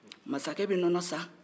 masakɛ be nɔnɔ san